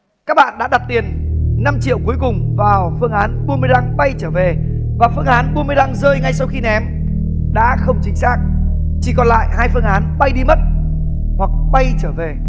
các bạn đã đặt tiền năm triệu cuối cùng vào phương án bum mê răng bay trở về và phương án bum mê răng rơi ngay sau khi ném đá không chính xác chỉ còn lại hai phương án bay đi mất hoặc bay trở về